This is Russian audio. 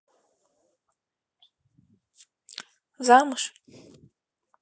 замуж